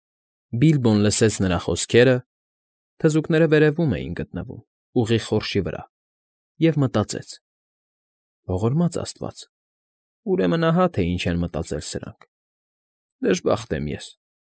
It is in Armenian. Բիլբոն լսեց նրա խոսքերը (թզուկները վերևում էին գտնվում, ուղիղ խորշի վրա) և մտածեց. «Ողորմած աստված, ուրեմն, ահա թե ինչ են մտածել սրանք… Դժբախտ եմ ես,